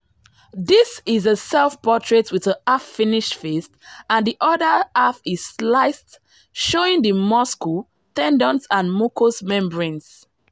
“[This] is a self-portrait with a half-finished face, and the other half is sliced, showing the muscles, tendons and mucous membranes.